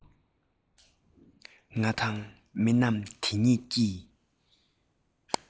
ང དང མི རྣམས དེ གཉིས ཀྱིས